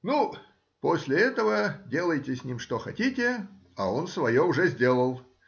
Ну, после этого делайте с ним что хотите, а он свое уже сделал